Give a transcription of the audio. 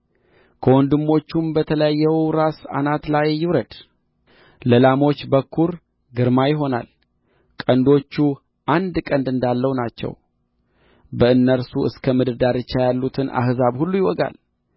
ከወንድሞቹም በተለየው ራስ አናት ላይ ይውረድ ለላሞች በኵር ግርማ ይሆናል ቀንዶቹ አንድ ቀንድ እንዳለው ናቸው በእነርሱ እስከ ምድር ዳርቻ ያሉትን አሕዛብ ሁሉ ይወጋል